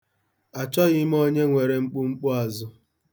Achọghị m onye nwere mkpumkpuazụ.